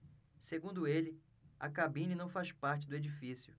segundo ele a cabine não faz parte do edifício